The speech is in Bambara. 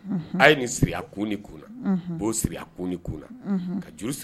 A ye nin siri kun ni kun b'o siri kun ni kun ka juru siri